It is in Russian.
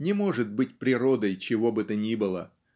не может быть природой чего бы то ни было.